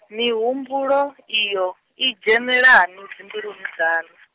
mihumbulo iyo, i dzhenelani dzimbiluni dzaṋu?